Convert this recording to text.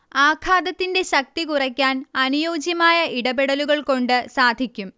ആഘാതത്തിന്റെ ശക്തി കുറയ്ക്കാൻ അനുയോജ്യമായ ഇടപെടലുകൾകൊണ്ട് സാധിക്കും